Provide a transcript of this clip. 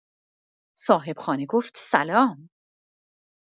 صاحبخانه گفت سلام.